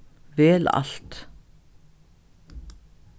vel alt